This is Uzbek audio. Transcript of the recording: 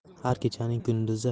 har kechaning kunduzi